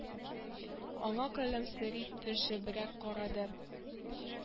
Аңа көләмсери төшебрәк карады